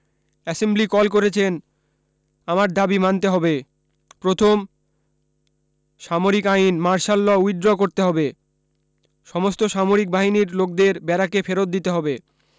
assembly call করেছেন আমার দাবি মানতে হবে প্রথম সামরিক আইন মার্শাল ল্ উইথ ড্র করতে হবে সমস্ত সামরিক বাহিনীর লোকদের ব্যারাকে ফেরত দিতে হবে